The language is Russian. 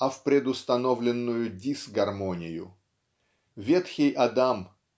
а в предустановленную дисгармонию. Ветхий Адам